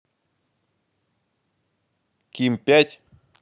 ким пять